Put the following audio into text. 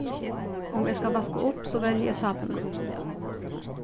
um eg skal vaska upp so velji eg sápuna